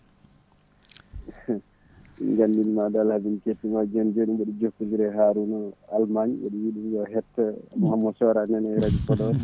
gandumi * ala joni certumi joni mbiɗa jokkodire Harouna Almami mbiɗa wiiya yo hetto Mouhamadou Sora nane radio Podor